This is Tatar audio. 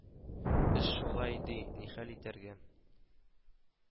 Эш шулай, ди, нихәл итәргә